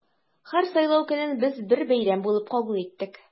Һәр сайлау көнен без бер бәйрәм булып кабул иттек.